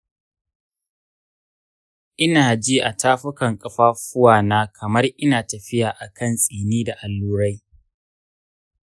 ina ji a tafukan ƙafafuwana kamar ina tafiya akan tsini da allurai.